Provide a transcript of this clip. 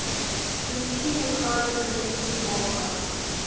включи механик расти в окко